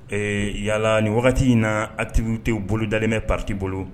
Ee yala ni wagati in na a tigite bolo dalenmɛ pariti bolo